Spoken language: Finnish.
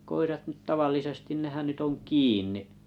koirat nyt tavallisesti nehän nyt on kiinni